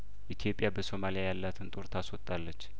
ኢትዮጵያ በሶማሊያ ያላትን ጦር ታስወጣለች